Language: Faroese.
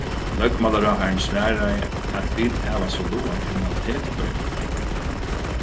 løgmálaráðharrin svaraði at vit hava so lágan kriminalitet í føroyum